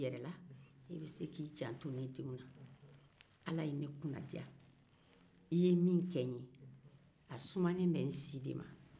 ala ye ne kunnadiya i ye min kɛ n ye a sumanen be n si de ma